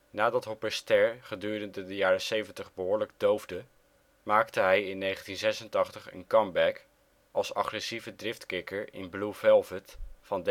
Nadat Hoppers ster gedurende de jaren 70 behoorlijk doofde, maakte hij in 1986 een comeback als agressieve driftkikker in Blue Velvet van